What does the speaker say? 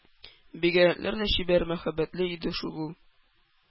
Бигрәкләр дә чибәр, мәхәббәтле иде шул ул!